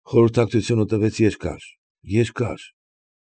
Խորհրդակցությունը տևեց երկար, երկար։